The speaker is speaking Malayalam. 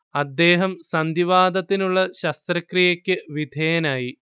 അദ്ദേഹം സന്ധിവാതത്തിനുള്ള ശസ്ത്രക്രിയക്ക് വിധേയനായി